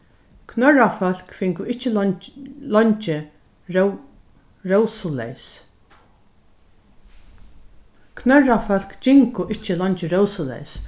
knørrafólk fingu ikki leingi rósuleys knørrafólk gingu ikki leingi rósuleys